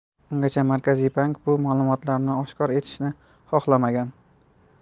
ungacha markaziy bank bu ma'lumotlarni oshkor etishni xohlamagan